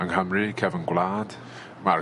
yng Nghymru cefn gwlad ma'r...